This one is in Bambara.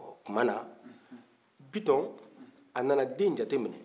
ɔ o tuma na bitɔn a nana den in jateminɛ